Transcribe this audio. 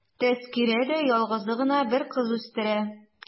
Тәзкирә дә ялгызы гына бер кыз үстерә.